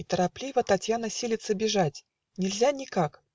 и торопливо Татьяна силится бежать: Нельзя никак